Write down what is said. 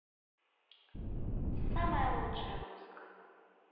самая лучшая музыка